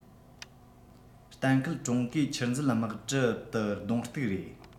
གཏན འཁེལ ཀྲུང གོའི ཆུར འཛུལ དམག གྲུ ཏུ གདོང གཏུག རེད